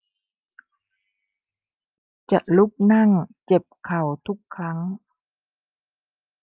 จะลุกนั่งเจ็บเข่าทุกครั้ง